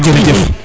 jerejef